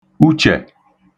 uchẹ̀